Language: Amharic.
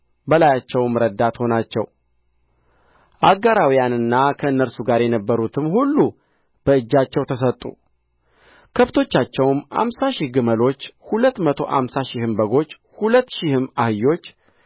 በላያቸውም ረዳት ሆናቸው አጋራውያንና ከእነርሱ ጋር የነበሩትም ሁሉ በእጃቸው ተሰጡ ከከብቶቻቸውም አምሳ ሺህ ግመሎች ሁለት መቶ አምሳ ሺህም በጎች ሁለት ሺህም አህዮች